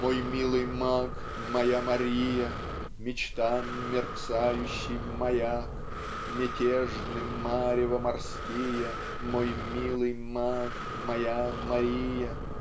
Мой милый маг, моя Мария, -- Мечтам мерцающий маяк. Мятежны марева морские Мой милый маг моя Мария